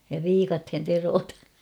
ja viikatteen teroitan